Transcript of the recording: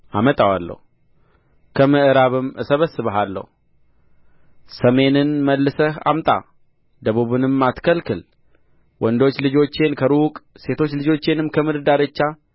አመጣዋለሁ ከምዕራብም እሰበስብሃለሁ ሰሜንን መልሰህ አምጣ ደቡብንም አትከልክል ወንዶች ልጆቼን ከሩቅ ሴቶች ልጆቼንም ከምድር ዳርቻ